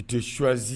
I tɛ shwazi